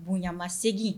Bonɲamasegin.